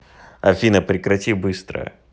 афина прекрати быстро